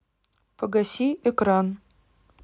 погаси экран